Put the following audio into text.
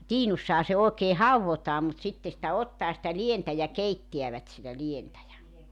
tiinussahan se oikein haudotaan mutta sitten sitä ottaa sitä lientä ja keittävät sitä lientä ja